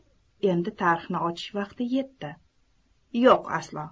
endi tarixni ochish vaqti yetdi